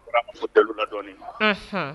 la dɔɔnin